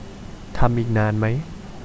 ทำอีกนานไหม